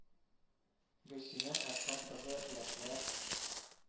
Гөлсинә әсхәт кызы яшьләр